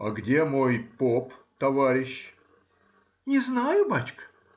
— А где мой поп — товарищ? — Не знаю, бачка.